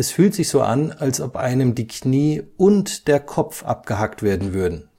fühlt sich so an, als ob einem die Knie und der Kopf abgehackt werden würden